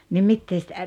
niin mitä sitä